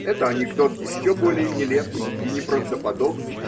Это анекдот еще более нелепый и неправдоподобный.